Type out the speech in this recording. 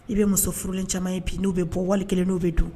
I bɛ muso furulen caman ye bi n'o bɛ bɔ wale kelen n'u bɛ don